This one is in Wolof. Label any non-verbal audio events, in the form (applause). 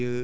(hesitation) (hesitation)